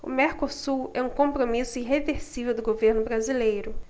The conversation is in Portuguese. o mercosul é um compromisso irreversível do governo brasileiro